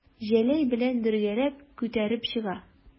Җәләй белән бергәләп күтәреп чыга.